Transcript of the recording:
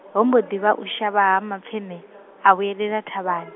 ho mbo ḓi vha u shavha ha mapfeṋe, a vhuelela thavhani .